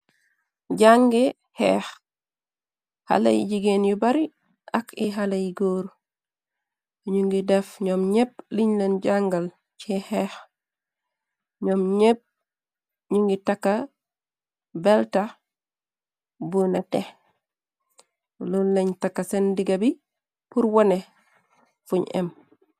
Jànge xeex, xaley jigéen yu bari ak i xalay góor. Nñu ngi def ñoom ñepp liñ leen jangal ci xeex. Nñoom ñepp ñu ngi takka belta bu nete. Lol lañ takka seen diga bi pur wone fuñ em.